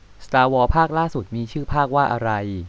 สตาร์วอร์ภาคล่าสุดมีชื่อภาคว่าอะไร